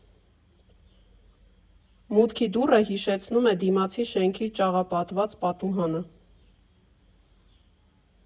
Մուտքի դուռը հիշեցնում է դիմացի շենքի ճաղապատված պատուհանը.